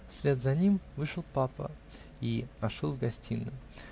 Вслед за ним вышел папа и вошел в гостиную.